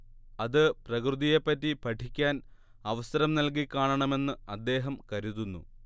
അത് പ്രകൃതിയെപറ്റി പഠിക്കാൻ അവസരം നൽകിക്കാണണം എന്ന് അദ്ദേഹം കരുതുന്നു